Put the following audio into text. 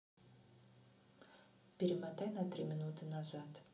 перемотай на три минуты назад